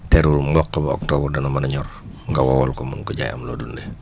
terewul mboq ba octobre dana mun a ñor nga wowal ko mun ko jaay am loo dundee